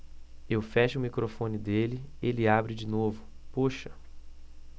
eu fecho o microfone dele ele abre de novo poxa